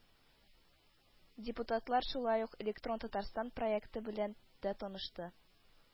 Депутатлар шулай ук “Электрон Татарстан” проекты белән дә танышты